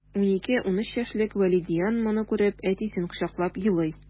12-13 яшьлек вәлидиан моны күреп, әтисен кочаклап елый...